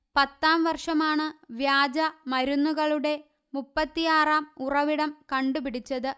പത്താം വർഷമാണ് വ്യാജ മരുന്നുകളുടെ മുപ്പത്തിയാറാം ഉറവിടം കണ്ടുപിടിച്ചത്